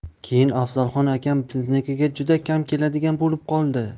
keyin afzalxon akam biznikiga juda kam keladigan bo'lib qoldi